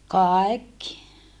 kaikki